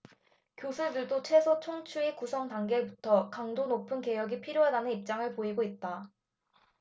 교수들도 최소 총추위 구성 단계부터 강도 높은 개혁이 필요하다는 입장을 보이고 있다